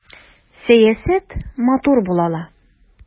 Сәясәт матур була ала!